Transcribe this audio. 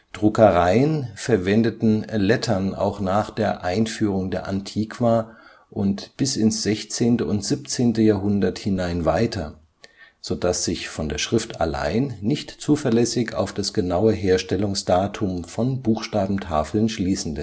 Druckereien verwendeten Lettern auch nach der Einführung der Antiqua und bis ins 16. und 17. Jahrhundert hinein weiter, sodass sich von der Schrift allein nicht zuverlässig auf das genaue Herstellungsdatum von Buchstabentafeln schließen